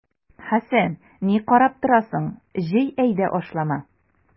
Хәсән, ни карап торасың, җый әйдә ашлама!